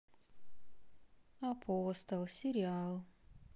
апостол сериал